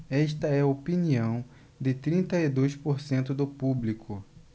esta é a opinião de trinta e dois por cento do público